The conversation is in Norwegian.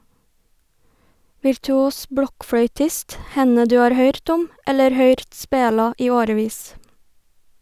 Virtuos blokkfløytist, henne du har høyrt om , eller høyrt spela, i årevis.